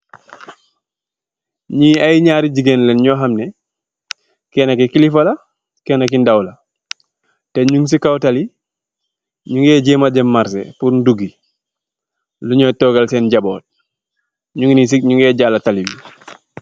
Nyii ay nyari jigeen leg nyo ham ne, kenaki kelifala, kenaki ndawla, te nyun si kaw taly, nyu ge jema dem marse por ndoggi luuj nyo togal sen jaboot, nyu gi nii, nyu ge jala taly bi